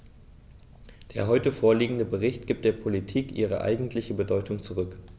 Der heute vorliegende Bericht gibt der Politik ihre eigentliche Bedeutung zurück.